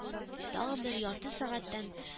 Тагын бер ярты сәгатьтән